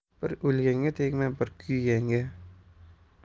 bir o'lganga tegma bir kuyganga